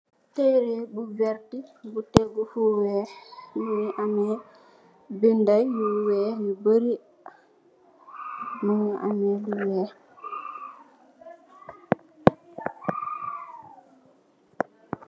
Tereh bu vertah bu tegu fo weex mogi ameh binda yu weex yu bari mogi ameh lu weex.